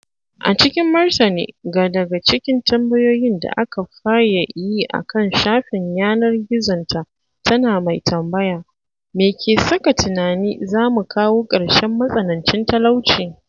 A cikin martani ga daga cikin tambayoyin da aka faye yi a kan shafin yanar gizonta tana mai tambaya "me ke saka tunani za mu kawo karshen matsanancin talauci?"